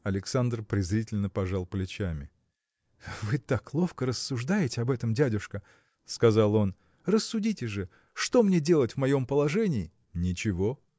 Александр презрительно пожал плечами. – Вы так ловко рассуждаете об этом дядюшка – сказал он – рассудите же что мне делать в моем положении? – Ничего!